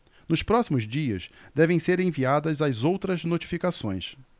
nos próximos dias devem ser enviadas as outras notificações